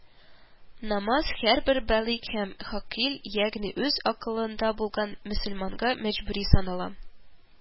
Намаз һәрбер балигъ һәм гакыйль, ягъни үз акылында булган мөселманга мәҗбүри санала